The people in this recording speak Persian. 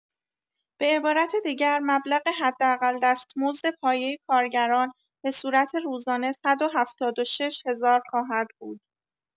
به عبارت دیگر، مبلغ حداقل دستمزد پایه کارگران به صورت روزانه ۱۷۶ هزار خواهد بود.